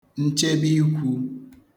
nchebeikwū